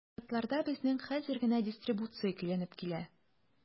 Штатларда безнең хәзер генә дистрибуция көйләнеп килә.